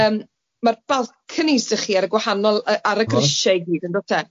Yym ma'r balconies 'dach chi ar y gwahanol yy ar y grisie i gyd yndos e?